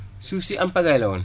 suuf si en pagaille la woon